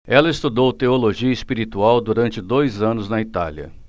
ela estudou teologia espiritual durante dois anos na itália